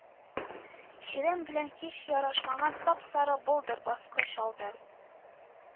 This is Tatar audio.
Чирәм белән һич ярашмаган сап-сары болдыр, баскыч алды